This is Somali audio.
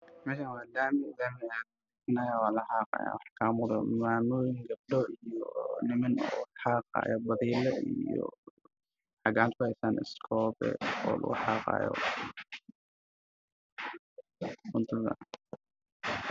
Waa meel walba waxaa xaqaya niman iyo naago waxa ay wataan badelo iyo sakaalo waana suuq